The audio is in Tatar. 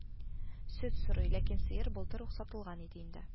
Сөт сорый, ләкин сыер былтыр ук сатылган иде инде